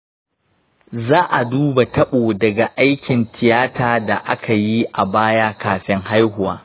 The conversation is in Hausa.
za'a duba tabo daga aikin tiyata da akayi a baya kafin haihuwa